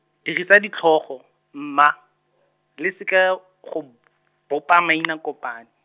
dirisa ditlhogo, mma , le seka, go bopa mainakopani.